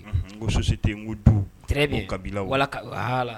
Anhan; N ko société n ko du, très bien ; n ko kabila; voilà ka voilà